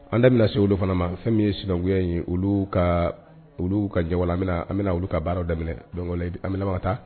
An da bɛna se olu fana ma fɛn min ye sinankuya in ye olu kaa olu ka jawala an bɛna an bɛna olu ka baara daminɛ donc ola i b an bɛ laban ka taa